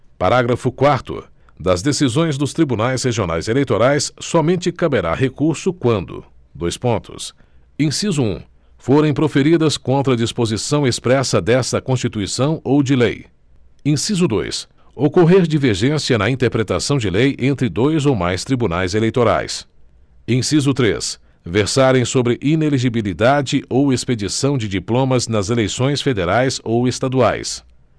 parágrafo quarto das decisões dos tribunais regionais eleitorais somente caberá recurso quando dois pontos inciso um forem proferidas contra disposição expressa desta constituição ou de lei inciso dois ocorrer divergência na interpretação de lei entre dois ou mais tribunais eleitorais inciso três versarem sobre inelegibilidade ou expedição de diplomas nas eleições federais ou estaduais